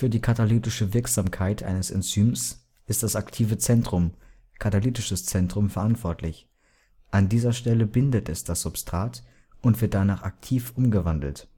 die katalytische Wirksamkeit eines Enzyms ist das aktive Zentrum (katalytisches Zentrum) verantwortlich. An dieser Stelle bindet es das Substrat und wird danach „ aktiv “umgewandelt